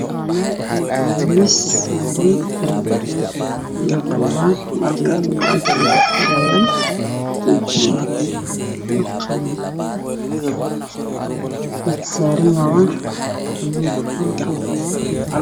Waa miis waxa saaran buugaagga qalamaan iyo miis ay saaranyihiin